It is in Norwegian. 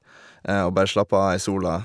Og bare slapper av i sola.